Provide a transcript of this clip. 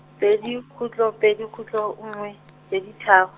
pedi, khutlo pedi khutlo nngwe, pedi tharo.